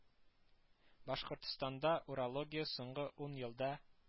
Башкортстанда урология соңгы ун елда